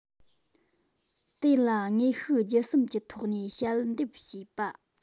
དེ ལ དངོས ཤུགས བརྒྱུད གསུམ གྱི ཐོག ནས ཞབས འདེགས ཞུས པ